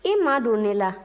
i madon ne la